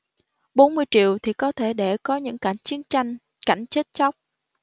bốn mươi triệu thì có thể để có những cảnh chiến tranh cảnh chết chóc